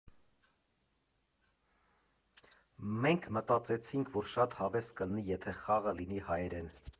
Մենք մտածեցինք, որ շատ հավես կլինի, եթե խաղը լինի հայերեն։